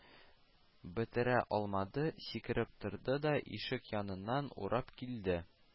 Бетерә алмады, сикереп торды да ишек яныннан урап килде